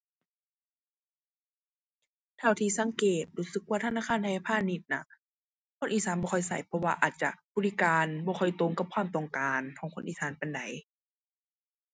เท่าที่สังเกต รู้สึกว่าธนาคารไทยพาณิชย์น่ะ คนอีสานบ่ค่อยใช้ เพราะว่าอาจจะบริการบ่ค่อยตรงกับความต้องการของคนอีสานปานใด